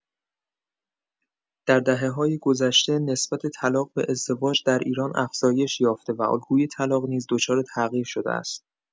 در دهه‌های گذشته، نسبت طلاق به ازدواج در ایران افزایش یافته و الگوی طلاق نیز دچار تغییر شده است.